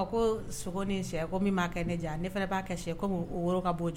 A ko sogo ni sɛ min ma na diya n ye, ne fana y'a kɛ sɛ ye comme o woro ka b'o